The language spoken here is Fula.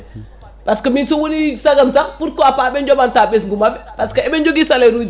par ce que mino so woni saagam sakh pourquoi pas ɓe joɓanta ɓesgu mabɓe par ce que eɓe jogui salaire uji